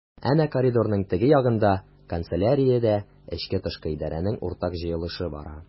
Әнә коридорның теге ягында— канцеляриядә эчке-тышкы идарәнең уртак җыелышы бара.